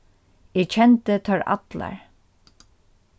eg kendi teir allar